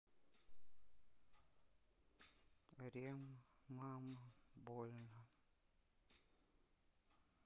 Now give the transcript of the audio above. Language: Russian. рем мама больно